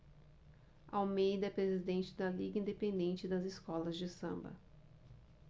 almeida é presidente da liga independente das escolas de samba